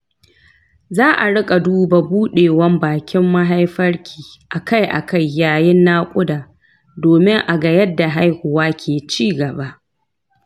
za a riƙa duba buɗewan bakin mahaifarki akai-akai yayin naƙuda domin a ga yadda haihuwa ke ci gaba.